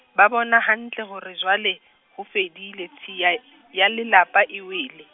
ba bona hantle hore jwale, ho fedile tshiya, ya le lapa e wele.